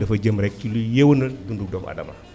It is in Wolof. dafa jëm rek ci liy yéwénal dundu doomu aadama